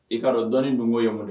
I ka dɔni dun yan dɛɛ